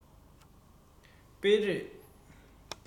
སྤེལ རེས